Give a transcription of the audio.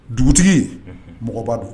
Dugutigi mɔgɔba don